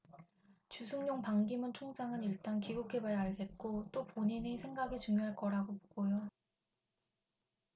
주승용 반기문 총장은 일단 귀국해 봐야 알겠고 또 본인의 생각이 중요할 거라고 보고요